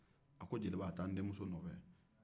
a ko jeliba taa n' den nɔfɛ